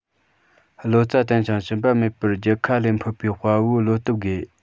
བློ རྩ བརྟན ཞིང ཞུམ པ མེད པར རྒྱལ ཁ ལེན ཕོད པའི དཔའ བོའི བློ སྟོབས དགོས